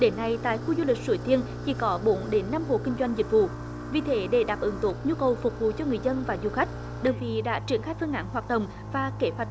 đến nay tại khu du lịch suối tiên chỉ có bốn đến năm hộ kinh doanh dịch vụ vì thế để đáp ứng tốt nhu cầu phục vụ cho người dân và du khách đơn vị đã triển khai phương án hoạt động và kế hoạch